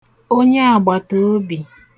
onyeàgbàtàobì